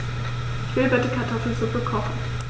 Ich will bitte Kartoffelsuppe kochen.